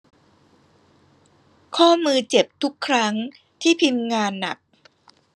ข้อมือเจ็บทุกครั้งที่พิมพ์งานหนัก